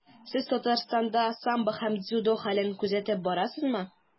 Сез Татарстанда самбо һәм дзюдо хәлен күзәтеп барасызмы?